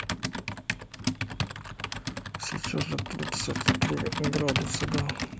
сейчас же тридцать три градуса да